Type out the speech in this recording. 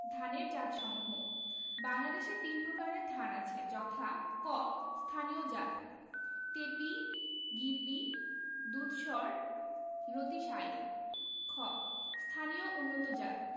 ধানের জাতসমূহ বাংলাদেশে তিন প্রকারের ধান আছে যথাঃ ক স্থানীয় জাতঃ টেপি গিরবি দুধসর লতিশাইল খ স্থানীয় উন্নতজাতঃ